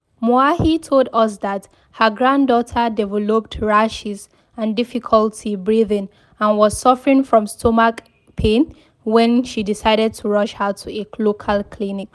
Moahi told us that her granddaughter developed rashes and difficulty breathing and was suffering from stomach pain when she decided to rush her to a local clinic.